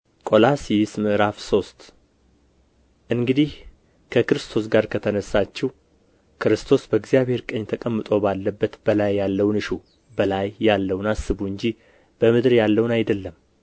ቆላስይስ ምዕራፍ ሶስት እንግዲህ ከክርስቶስ ጋር ከተነሣችሁ ክርስቶስ በእግዚአብሔር ቀኝ ተቀምጦ ባለበት በላይ ያለውን እሹ በላይ ያለውን አስቡ እንጂ በምድር ያለውን አይደለም